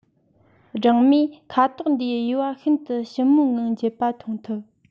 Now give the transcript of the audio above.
སྦྲང མས ཁ དོག འདིའི དབྱེ བ ཤིན ཏུ ཞིབ མོའི ངང འབྱེད པ མཐོང ཐུབ